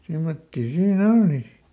semmoisia siinä oli sitten